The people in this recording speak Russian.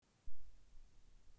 первый первый